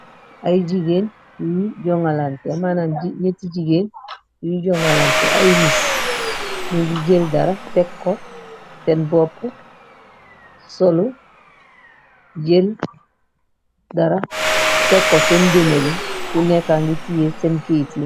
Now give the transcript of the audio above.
Ay jigéen yuy jongalante, manan ñetti jigéen yuy jongalante, ay mis mingu jël dara tekko seen boppu, solu jël dara tekko seen denabi, ku nekka ngi tiyee seen keyit yi.